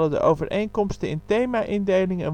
de overeenkomsten in thema, indeling